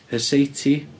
Hesate.